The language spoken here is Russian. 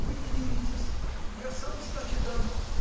вы не деритесь: я сам сдачи сдам.